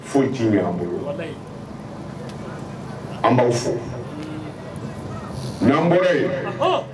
Foyi ji an bolo an b'aw fo' anan bɔra yen